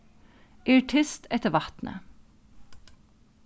eg eri tyst eftir vatni